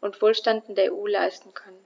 und Wohlstand in der EU leisten können.